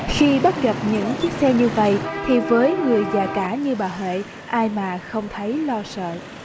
khi bắt gặp những chiếc xe như vậy thì với người già cả như bà huệ ai mà không thấy lo sợ